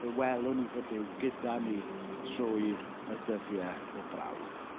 Fe welwn ni fod Duw gyda ni trwy y dyddiau o brawf.